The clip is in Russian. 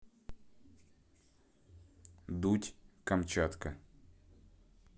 дудь камчатка